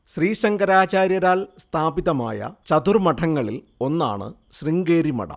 ശ്രീശങ്കരാചാര്യരാൽ സ്ഥാപിതമായ ചതുർമ്മഠങ്ങളിൽ ഒന്നാണു ശൃംഗേരി മഠം